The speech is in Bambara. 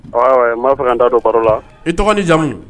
Ayiwa ma fɛ ka n taa dɔ baro la i tɔgɔ ni jamu